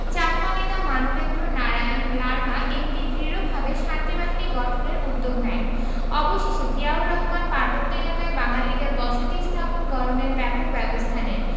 চাকমা নেতা মানবেন্দ্র নারায়ণ লারমা এম.পি. দৃঢ়ভাবে শান্তিবাহিনী গঠনের উদ্যোগ নেয় অবশেষে জিয়াউর রহমান পার্বত্য এলাকায় বাঙালিদের বসতী স্থাপন গড়নের ব্যাপক ব্যবস্তা নেন